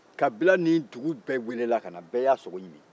kabila ni dugu bɛɛ welela ka na bɛɛ y'a sogo ɲimi